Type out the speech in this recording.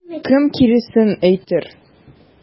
Кем киресен әйтер?